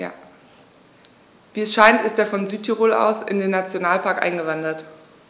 Wie es scheint, ist er von Südtirol aus in den Nationalpark eingewandert.